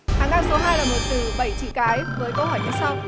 hàng ngang số hai là một từ bảy chữ cái với câu hỏi như sau